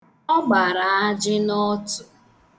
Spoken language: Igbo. Ọ gbara ajị n' ọtụ.